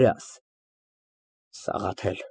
ԲԱԳՐԱՏ ֊ Շփոթված և միևնույն ժամանակ վրդովված։ Մարգարիտ։